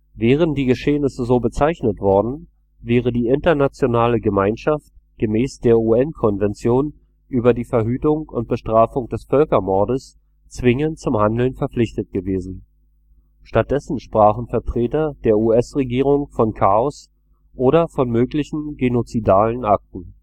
Wären die Geschehnisse so bezeichnet worden, wäre die internationale Gemeinschaft gemäß der UN-Konvention über die Verhütung und Bestrafung des Völkermordes zwingend zum Handeln verpflichtet gewesen. Stattdessen sprachen Vertreter der US-Regierung von „ Chaos “oder von möglichen „ genozidalen Akten